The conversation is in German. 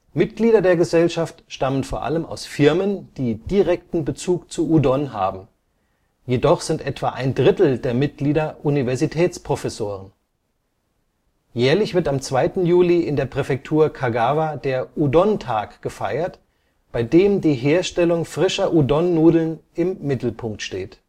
Mitglieder der Gesellschaft stammen vor allem aus Firmen, die direkten Bezug zu Udon haben, jedoch sind etwa ein Drittel der Mitglieder Universitätsprofessoren. Jährlich wird am 2. Juli in der Präfektur Kagawa der „ Udon-Tag “gefeiert, bei dem die Herstellung frischer Udon-Nudeln im Mittelpunkt steht